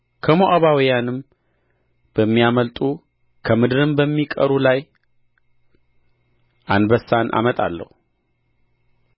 ከሞዓባውያንም በሚያመልጡ ከምድርም በሚቀሩ ላይ አንበሳን አመጣለሁ